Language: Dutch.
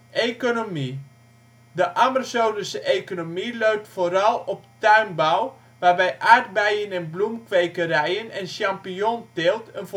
De Ammerzodense economie leunt vooral op tuinbouw waarbij aardbeien - en bloemkwekerijen en champignonteelt een